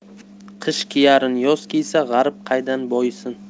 qish kiyarin yoz kiysa g'arib qaydan boyisin